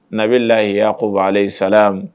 Nabila Yacouba ale islam